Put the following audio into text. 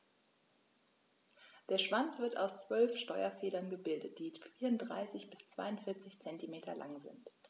Der Schwanz wird aus 12 Steuerfedern gebildet, die 34 bis 42 cm lang sind.